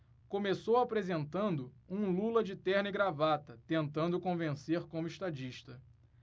começou apresentando um lula de terno e gravata tentando convencer como estadista